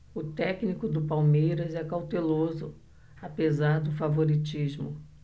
o técnico do palmeiras é cauteloso apesar do favoritismo